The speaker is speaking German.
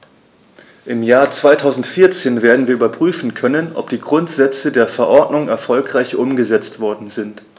Im Jahr 2014 werden wir überprüfen können, ob die Grundsätze der Verordnung erfolgreich umgesetzt worden sind.